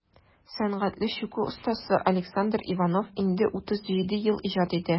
Сәнгатьле чүкү остасы Александр Иванов инде 37 ел иҗат итә.